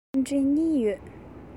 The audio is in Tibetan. གཉིས ཡོད